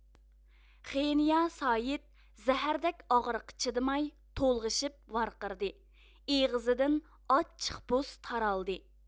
خنېيا سايىت زەھەردەك ئاغرىققا چىدىماي تولغىشىپ ۋارقىرىدى ئېغىزىدىن ئاچچىق بۇس تارالدى